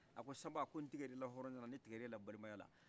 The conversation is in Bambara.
a ko sanba ko ntikɛr' ila hɔrɔnyala ntikɛr'ila balemayala